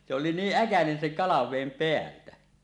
se oli niin äkäinen sen kalaveden päältä